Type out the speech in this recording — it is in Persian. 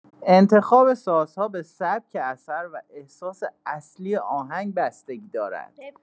انتخاب سازها به سبک اثر و احساس اصلی آهنگ بستگی دارد.